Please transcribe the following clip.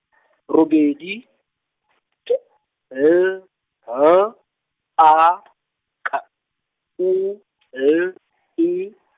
robedi, T L H A , K O L E.